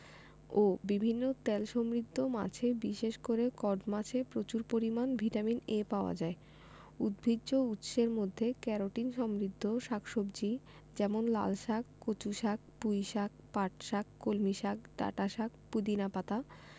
ও বিভিন্ন তেলসমৃদ্ধ মাছে বিশেষ করে কড মাছে প্রচুর পরিমান ভিটামিন A পাওয়া যায় উদ্ভিজ্জ উৎসের মধ্যে ক্যারোটিন সমৃদ্ধ শাক সবজি যেমন লালশাক কচুশাক পুঁইশাক পাটশাক কলমিশাক ডাঁটাশাক পুদিনা পাতা